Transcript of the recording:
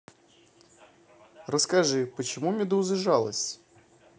расскажи почему медузы жалость